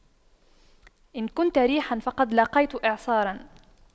إن كنت ريحا فقد لاقيت إعصارا